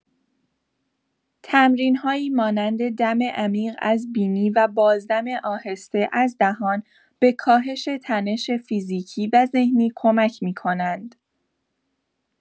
تمرین‌هایی مانند دم عمیق از بینی و بازدم آهسته از دهان، به کاهش تنش فیزیکی و ذهنی کمک می‌کنند.